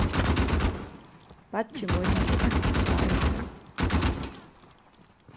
beiggi mín hevur einki starv nú